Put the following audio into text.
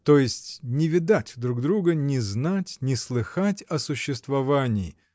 — То есть не видать друг друга, не знать, не слыхать о существовании.